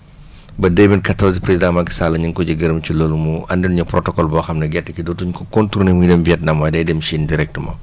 ba 2014 président Macky Sall ñu ngi ko ciy gërëm ci loolu mu andil ñu protocol boo xam ne gerte gi dootu ñu ko contourné muy dem Vietnam waaye day dem Cine directement